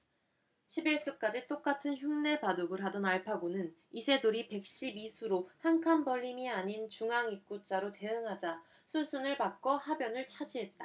십 일 수까지 똑같은 흉내바둑을 하던 알파고는 이세돌이 백 십 이 수로 한 칸 벌림이 아닌 중앙 입구 자로 대응하자 수순을 바꿔 하변을 차지했다